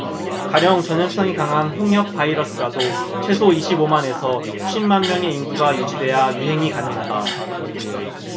가령 전염성이 강한 홍역 바이러스라도 최소 이십 오 만 에서 쉰 만명의 인구가 유지돼야 유행이 가능하다